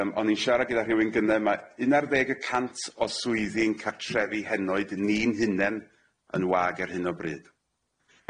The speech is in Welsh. Yym o'n i'n sharad gyda rhywun gynne ma' un ar ddeg y cant o swyddi'n cartrefi henoed ni'n hunen yn wag ar hyn o bryd.